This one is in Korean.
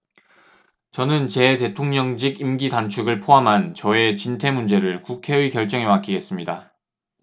저는 제 대통령직 임기 단축을 포함한 저의 진퇴 문제를 국회의 결정에 맡기겠습니다